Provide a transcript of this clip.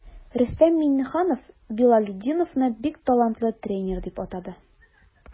Рөстәм Миңнеханов Билалетдиновны бик талантлы тренер дип атады.